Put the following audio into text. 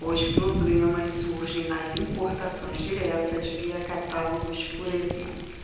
os problemas surgem nas importações diretas via catálogos por exemplo